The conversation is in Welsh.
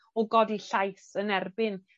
o godi llais yn erbyn